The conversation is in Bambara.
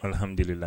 Alihamdulila